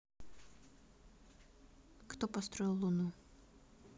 кто построил луну